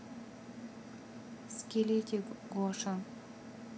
скелетик гоша